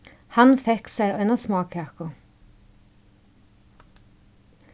hann fekk sær eina smákaku